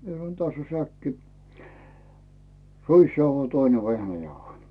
minä sanoin tässä on säkki ruisjauhoja toinen vehnäjauhoja